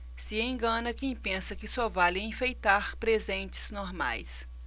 se engana quem pensa que só vale enfeitar presentes normais